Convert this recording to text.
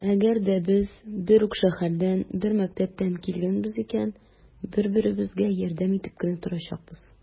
Әгәр дә без бер үк шәһәрдән, бер мәктәптән килгәнбез икән, бер-беребезгә ярдәм итеп кенә торачакбыз.